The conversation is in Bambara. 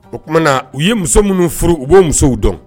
O tumaumana na u ye muso minnu furu u bɔ musow dɔn